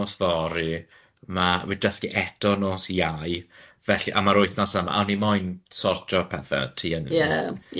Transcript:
nos fory, ma' wi'n dysgu eto nos Iau, felly a ma'r wythnos yma o'n i moyn sortio pethe tŷ